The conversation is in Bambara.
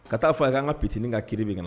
Ka t taaa fɔ a k'an ka p titinin ka ki bɛ na